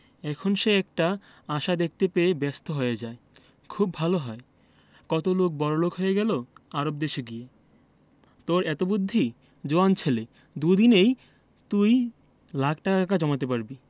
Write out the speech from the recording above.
এখন সে একটা আশা দেখতে পেয়ে ব্যস্ত হয়ে যায় খুব ভালো হয় কত লোক বড়লোক হয়ে গেল আরব দেশে গিয়ে তোর এত বুদ্ধি জোয়ান ছেলে দুদিনেই তুই লাখ টাকা জমাতে পারবি